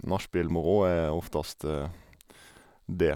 Nachspiel-moro er oftest det.